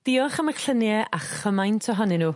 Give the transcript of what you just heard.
Diolch am ych llunie a chymaint ohonyn nhw.